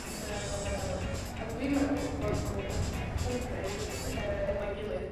y bloda melyn. A dwi'n meddwl bod nw yn hyfryd, yy, efo'i gilydd.